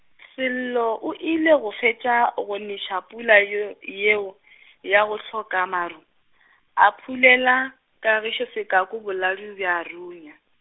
Sello o ile go fetša go neša pula y- yeo, ya go hloka maru, a phulela, Kagišo sekaku boladu bja runya.